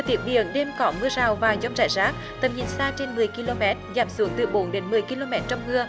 tiết biển đêm có mưa rào và dông rải rác tầm nhìn xa trên mười ki lô mét giảm xuống từ bốn đến mười ki lô mét trong mưa